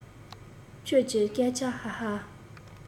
ཁྱོད ཀྱི སྐད ཆ ཧ ཧ